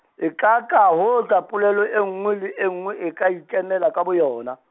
ekaka hoja polelo e nngwe le e nngwe e ka ikemela ka boyona.